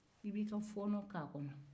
i b'i ka fɔɔnɔ kɛ a kɔnɔ